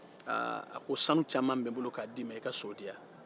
aaa a ko sanu caman bɛ n bolo ka d'i man i ka so di yan